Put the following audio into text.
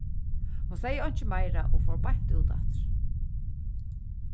hon segði einki meira og fór beint út aftur